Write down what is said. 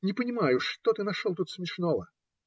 - Не понимаю, что ты нашел тут смешного?